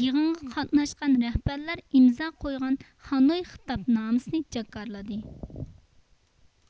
يىغىنغا قاتناشقان رەھبەرلەر ئىمزا قويغان خانوي خىتابنامىسىنى جاكارلىدى